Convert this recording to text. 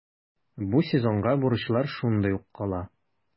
Бу сезонга бурычлар шундый ук кала.